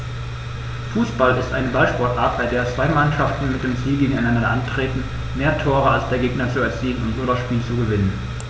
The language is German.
Fußball ist eine Ballsportart, bei der zwei Mannschaften mit dem Ziel gegeneinander antreten, mehr Tore als der Gegner zu erzielen und so das Spiel zu gewinnen.